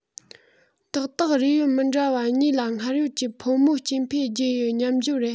ཏག ཏག རིགས དབྱིབས མི འདྲ བ གཉིས ལ སྔར ཡོད ཀྱི ཕོ མོའི སྐྱེ འཕེལ རྒྱུ ཡི མཉམ སྦྱོར རེད